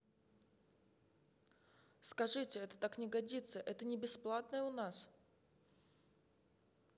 скажите это так не годится это не бесплатное у нас